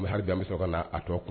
mais hali bi an bɛ sɔrɔ ka na a tɔ kun